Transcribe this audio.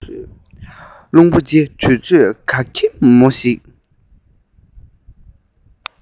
རླུང བུ དེས དུས ཚོད ག གེ མོ ཞིག